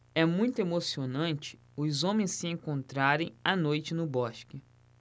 é muito emocionante os homens se encontrarem à noite no bosque